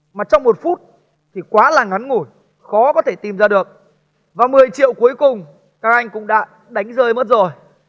mà trong một phút thì quá là ngắn ngủi khó có thể tìm ra được và mười triệu cuối cùng các anh cũng đã đánh rơi mất rồi